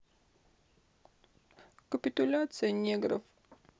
капитуляция негров